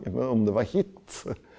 om det var hit?